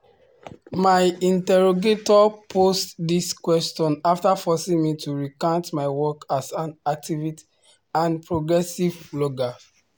My interrogator posed this question after forcing me to recount my work as an activist and progressive blogger.